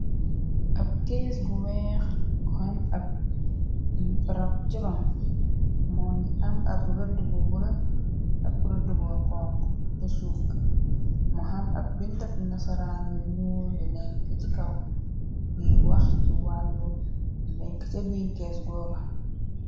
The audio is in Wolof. Ab kees gu weex gu ham ab rab ciroon, moo ngi am ab rëdd bu bula, ab rëdd bu xonxo ca suufka, mo ham ab bindab nasaraan yu ñuul yu nekk ci kaw, yiy wax ci wàllu lu nekk ca biir kees googa.